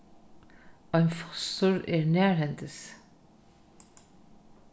ein fossur er nærhendis